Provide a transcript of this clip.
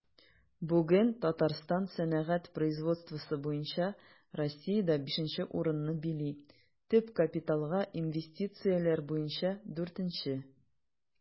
Бүген Татарстан сәнәгать производствосы буенча Россиядә 5 нче урынны били, төп капиталга инвестицияләр буенча 4 нче.